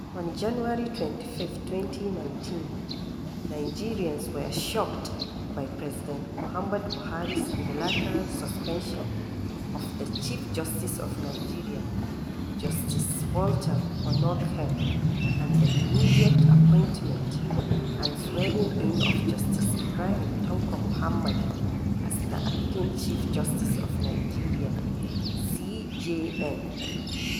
On January 25, 2019, Nigerians were shocked by President Muhammadu Buhari’s unilateral suspension of the Chief Justice of Nigeria Justice Walter Onnoghen, and the immediate appointment and swearing in of Justice Ibrahim Tanko Muhammad, as the acting Chief Justice of Nigeria (CJN).